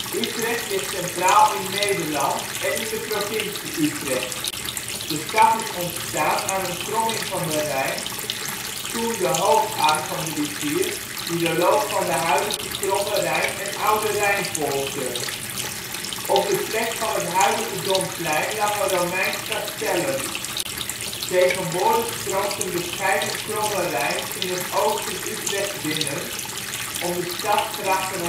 Utrecht ligt centraal in Nederland en in de provincie Utrecht. De stad is ontstaan aan een kromming van de Rijn, toen de hoofdarm van de rivier die de loop van de huidige Kromme Rijn en Oude Rijn volgde. Op de plek van het huidige Domplein lag een Romeins castellum. Tegenwoordig stroomt een bescheiden Kromme Rijn in het oosten Utrecht binnen om de stadsgrachten